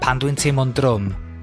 pam dwi'n teimlo'n drwm,